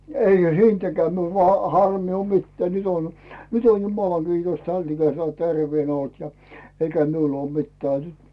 eihän siitäkään minulla vain harmia ole mitään nyt on nyt on jumalan kiitos tämän ikäisellä terveenä ollut ja eikä minulla ole mitään nyt